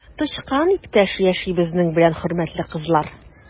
Тычкан иптәш яши безнең белән, хөрмәтле кызлар!